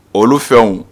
Olu fɛnw